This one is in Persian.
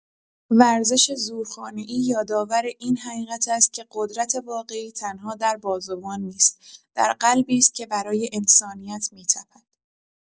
ورزش زورخانه‌ای یادآور این حقیقت است که قدرت واقعی تنها در بازوان نیست، در قلبی است که برای انسانیت می‌تپد.